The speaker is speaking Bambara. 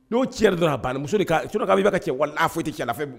N'o cɛnna dɔrɔnw a banna muso de ka sinon k'a fɔ i bɛ ka cɛ wallahi a foyi tɛ cɛ la